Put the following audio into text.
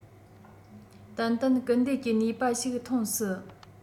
ཏན ཏན སྐུལ འདེད ཀྱི ནུས པ ཞིག ཐོན སྲིད